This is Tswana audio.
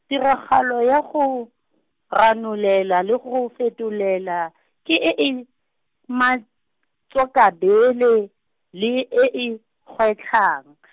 tiragalo ya go, ranolela le go fetolela, ke e e, matswakabele, le e e, gwetlhang .